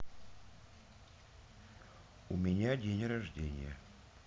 у меня день рождения